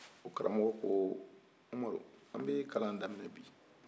o karamɔgɔ ko umaru an bi kalan daminɛ bi